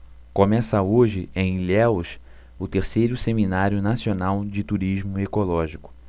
começa hoje em ilhéus o terceiro seminário nacional de turismo ecológico